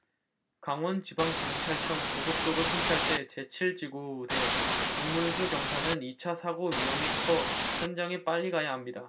강원지방경찰청 고속도로순찰대 제 칠 지구대 정문수 경사는 이 차 사고 위험이 커 현장에 빨리 가야 합니다